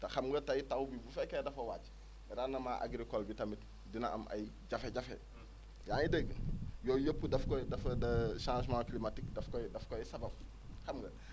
te xam nga tey taw bi bu fekkee dafa wàcc rendement agricole bi tamit dina am ay jafe-jafe yaa ngi dégg yooyu yëpp daf koy dafa da changement climatique daf koy daf koy sabab xam nga